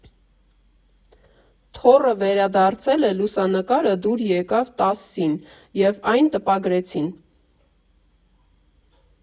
«Թոռը վերադարձել է» լուսանկարը դուր եկավ ՏԱՍՍ֊ին, և այն տպագրեցին։